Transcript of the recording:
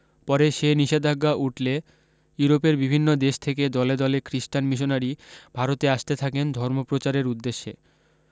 পরে সে নিষেধাজ্ঞা উঠলে ইউরোপের বিভিন্ন দেশ থেকে দলে দলে খ্রীস্টান মিশনারি ভারতে আসতে থাকেন ধর্মপ্রচারের উদ্দেশ্যে